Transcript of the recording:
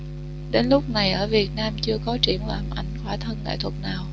đến lúc này ở việt nam chưa có triển lãm ảnh khỏa thân nghệ thuật nào